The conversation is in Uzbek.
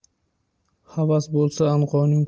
havas bo'lsa anqoning